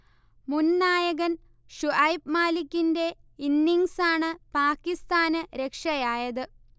മുൻ നായകൻ ഷുഐബ് മാലിക്കിന്റെ ഇന്നിങ്സാണ് പാകിസ്താന് രക്ഷയായത്